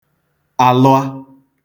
àlụa